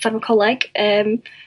safon coleg yym